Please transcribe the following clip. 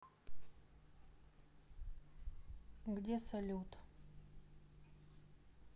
где салют